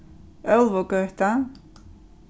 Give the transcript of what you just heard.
óluvugøta